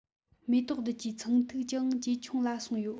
མེ ཏོག རྡུལ གྱི ཚངས ཐིག ཀྱང ཇེ ཆུང ལ སོང ཡོད